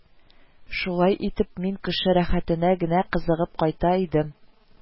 Шулай итеп, мин кеше рәхәтенә генә кызыгып кайта идем